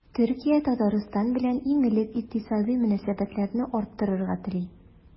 Төркия Татарстан белән иң элек икътисади мөнәсәбәтләрне арттырырга тели.